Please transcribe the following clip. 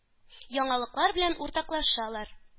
Яңалыклар белән уртаклашалар.